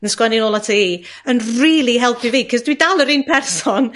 yn sgwennu nôl ata i, yn rili helpu fi 'c'os dwi dal yr un person